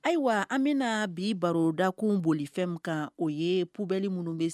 Ayiwa an bɛna bi barodakun boli fɛn min kan o ye poubelle minnu bɛ